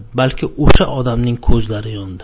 balki usha odamning kuzlari yondi